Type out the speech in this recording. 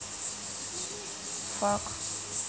fake